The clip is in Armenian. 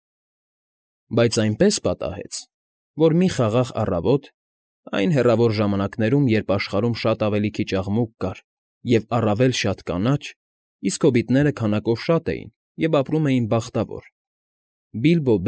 Բայց այնպես պատահեց, որ մի խաղաղ առավոտ, այն հեռավոր ժամանակներում, երբ աշխարհում շատ ավելի քիչ աղմուկ կար և առավել շատ կանաչ, իսկ հոբիտները քանակով շատ էին ու ապրում էին բախտավոր, Բիբլո։